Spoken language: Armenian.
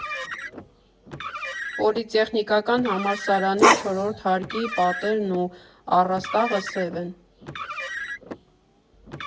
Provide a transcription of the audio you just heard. Պոլիտեխնիկական համալսարանի չորրորդ հարկի պատերն ու առաստաղը սև են։